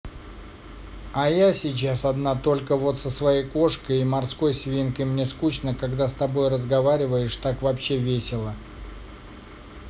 а я сейчас одна только вот со своей кошкой и морской свинкой и мне скучно когда с тобой разговариваешь так вообще весело